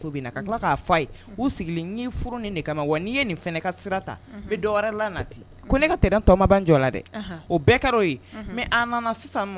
Muso bɛ na ka tila k'a fɔ a ye u sigilen ko n y'i furu nin de kama wa n'i ye nin fana ka sira ta n bɛ dɔ wɛrɛ la nati ko ne ka terrain ma ban jɔla dɛ! Ɔhɔn. O bɛ kɛr'o ye. Ahan. Mais a nana sisan